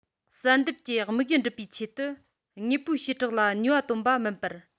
བསལ འདེམས ཀྱིས དམིགས ཡུལ འགྲུབ པའི ཆེད དུ དངོས པོའི བྱེ བྲག ལ ནུས པ བཏོན པ མིན པར